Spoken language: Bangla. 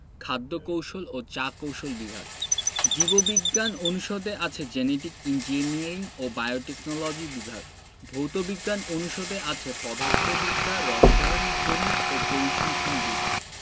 খাদ্য কৌশল ও চা কৌশল বিভাগ জীব বিজ্ঞান অনুষদে আছে জেনেটিক ইঞ্জিনিয়ারিং ও বায়োটেকনলজি বিভাগ ভৌত বিজ্ঞান অনুষদে আছে পদার্থবিদ্যা রসায়ন গণিত ও পরিসংখ্যান বিভাগ